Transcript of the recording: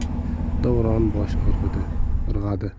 davron bosh irg'adi